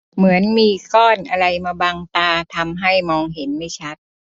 เหมือนมีก้อนอะไรมาบังตาทำให้มองเห็นไม่ชัด